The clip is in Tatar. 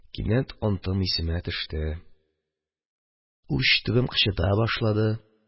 Кинәт антым исемә төште, уч төбем кычыта башлады